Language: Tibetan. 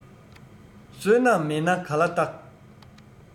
བསོད ནམས མེད ན ག ལ རྟག